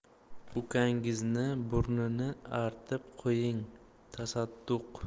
ukangizni burnini artib qo'ying tasadduq